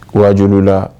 Wajulu la